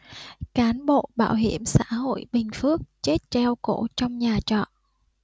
cán bộ bảo hiểm xã hội bình phước chết treo cổ trong nhà trọ